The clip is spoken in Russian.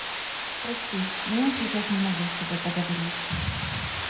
прости но я сейчас не могу с тобой поговорить